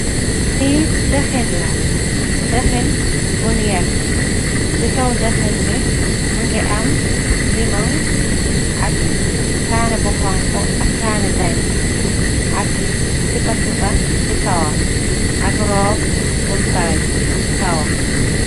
Li dakhen la dakhen bunye yakuh si dakhen bi mungi am limong ak kaneh bu xhong khu ak kaneh danger sipah sipah si kawam ak ruuf bunye farech si kawam